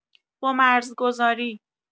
با مرزگذاری